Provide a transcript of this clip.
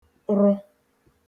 rụ